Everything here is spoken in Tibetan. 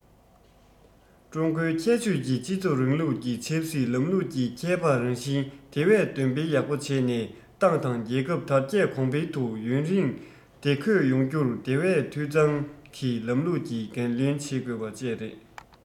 ཀྲུང གོའི ཁྱད ཆོས ཀྱི སྤྱི ཚོགས རིང ལུགས ཀྱི ཆབ སྲིད ལམ ལུགས ཀྱི ཁྱད འཕགས རང བཞིན དེ བས འདོན སྤེལ ཡག པོ བྱས ནས ཏང དང རྒྱལ ཁབ དར རྒྱས གོང འཕེལ དང ཡུན རིང བདེ འཁོད ཡོང རྒྱུར དེ བས འཐུས ཚང གི ལམ ལུགས ཀྱི འགན ལེན བྱེད དགོས པ བཅས རེད